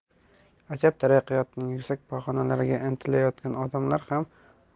ajab taraqqiyotning yuksak pog'onalariga intilayotgan odamlar